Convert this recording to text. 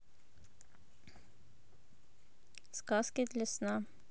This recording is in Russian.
сказки для сна